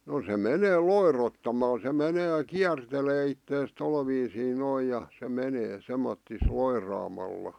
no se menee loirottamalla se menee kiertelee itseään tuolla viisiin noin ja se menee semmottoon loiraamalla